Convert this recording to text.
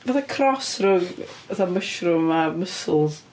fatha cross rhwng fatha mushroom a mussels.